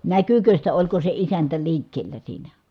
näkyykö sitä oliko se isäntä liikkeellä siinä